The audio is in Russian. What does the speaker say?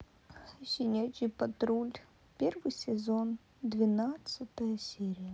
щенячий патруль первый сезон двенадцатая серия